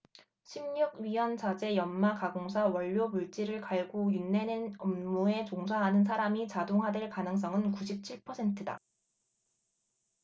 십 육 위원자재 연마 가공사 원료물질을 갈고 윤내는 업무에 종사하는 사람이 자동화될 가능성은 구십 칠 퍼센트다